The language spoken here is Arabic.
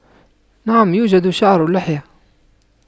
نعم يوجد شعر لحية